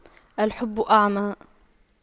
الحب أعمى